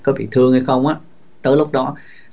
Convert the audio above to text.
có bị thương hay không đó tới lúc đó